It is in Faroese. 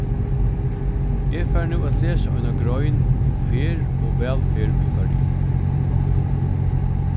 eg fari nú at lesa eina grein um ferð og vælferð í føroyum